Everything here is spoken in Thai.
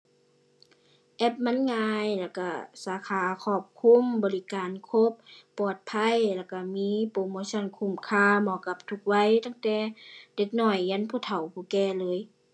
แอปมันง่ายแล้วก็สาขาครอบคลุม บริการครบ ปลอดภัยแล้วก็มีโปรโมชันคุ้มค่า เหมาะกับทุกวัยตั้งแต่เด็กน้อยยันผู้เฒ่าผู้แก่เลย